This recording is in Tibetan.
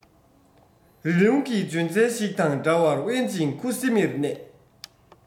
རི ཀླུང གི ལྗོན ཚལ ཞིག དང འདྲ བར དབེན ཅིང ཁུ སུམ མེར གནས